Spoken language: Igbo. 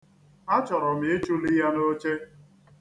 Achọrọ m ichụli ya n'oche.